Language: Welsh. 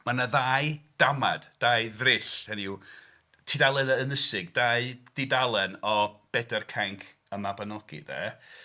Mae 'na ddau damaid dau ddryll, hynny yw, tudalenau ynysig, dau dudalen o Bedair Cainc y Mabiniogi 'de.